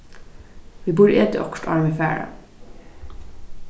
vit burdu etið okkurt áðrenn vit fara